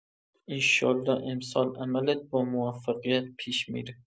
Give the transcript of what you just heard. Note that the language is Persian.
ایشالا امسال عملت با موفقیت پیش می‌ره.